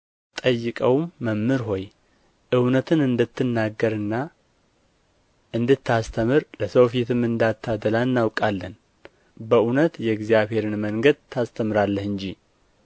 ጠይቀውም መምህር ሆይ እውነትን እንድትናገርና እንድታስተምር ለሰው ፊትም እንዳታደላ እናውቃለን በእውነት የእግዚአብሔርን መንገድ ታስተምራለህ እንጂ